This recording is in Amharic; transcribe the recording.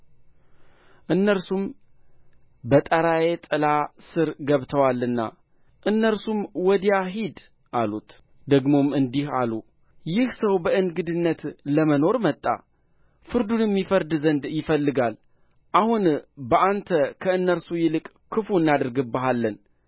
እነርሱ በጣራዬ ጥላ ሥር ገብተዋልና እነርሱም ወዲያ ሂድ አሉት ደግሞም እንዲህ አሉ ይህ ሰው በእንግድነት ለመኖር መጣ ፍርዱንም ይፈርድ ዘንድ ይፈልጋል አሁን በአንተ ከእነርሱ ይልቅ ክፉ እናደርግብሃለን